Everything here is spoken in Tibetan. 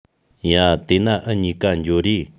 ཡ དེས ན འུ གཉིས ཀ འགྱོ རེས